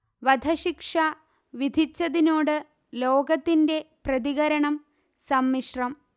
വധശിക്ഷ വിധിച്ചതിനോട് ലോകത്തിന്റെ പ്രതികരണം സമ്മിശ്രം